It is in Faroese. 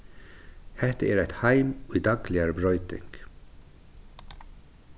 hetta er eitt heim í dagligari broyting